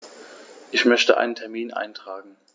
Ich möchte einen Termin eintragen.